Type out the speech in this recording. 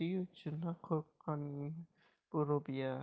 yu chindan qo'rqqaningmi bu robiya